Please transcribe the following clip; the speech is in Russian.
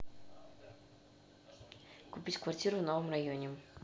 купить квартиру в новом районе